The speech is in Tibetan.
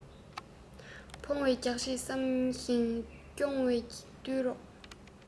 ཕོ བའི རྒྱགས ཕྱེ བསམ ཞིང སྐྱ འབངས ཀྱི བརྟུལ རོགས